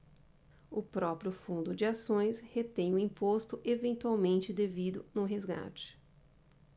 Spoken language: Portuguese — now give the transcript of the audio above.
o próprio fundo de ações retém o imposto eventualmente devido no resgate